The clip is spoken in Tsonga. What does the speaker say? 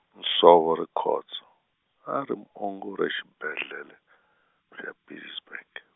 Nsovo Rikhotso, a ri muongori exibedlele, xa Pietersburg.